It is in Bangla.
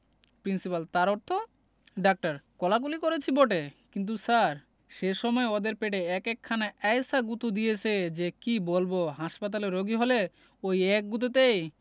প্রিন্সিপাল তার অর্থ ডাক্তার কোলাকুলি করেছি বটে কিন্তু স্যার সে সময় ওদের পেটে এক একখানা এ্যায়সা গুঁতো দিয়েছে যে কি বলব হাসপাতালের রোগী হলে ঐ এক গুঁতোতেই